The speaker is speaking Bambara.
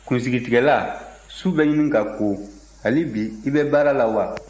kunsigitigɛla su bɛ ɲini ka ko hali bi i bɛ baara la wa